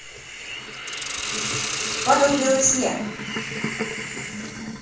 падал белый снег